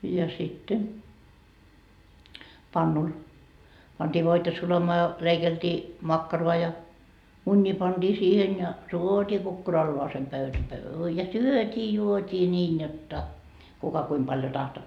ja sitten pannulle pantiin voita sulamaan ja leikeltiin makkaraa ja munia pantiin siihen ja tuotiin kukkuralleen pöytä - ja syötiin juotiin niin jotta kuka kuinka paljon tahtoi